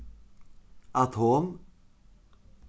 atom